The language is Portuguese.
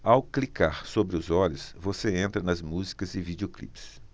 ao clicar sobre os olhos você entra nas músicas e videoclipes